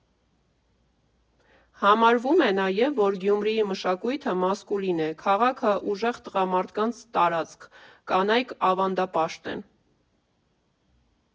Համարվում է նաև, որ Գյումրիի մշակույթը մասկուլին է, քաղաքը՝ ուժեղ տղամարդկանց տարածք, կանայք ավանդապաշտ են։